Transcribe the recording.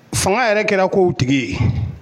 Fanga yɛrɛ kɛra ko' tigi ye